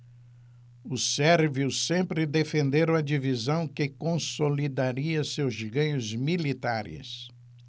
os sérvios sempre defenderam a divisão que consolidaria seus ganhos militares